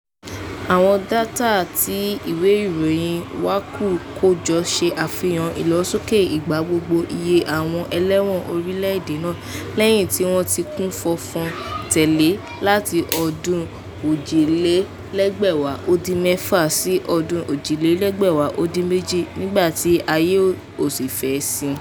Àwọn dátà tí ìwé ìròyìn Iwacu kò jọ ṣe àfihàn ìlọsókè ìgbà gbogbo iye àwọn ẹlẹ́wọ̀n orílẹ̀-èdè náà lèyí tí wọ́n ti kúnfọ́nfọ́n tẹ́lẹ̀ láti ọdún 2014 sí ọdún 2018, nígbà tí ààyè ò sì fẹ̀ si.